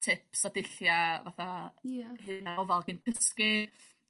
tips a dullia fatha... Ia. ... ofal cyn cysgu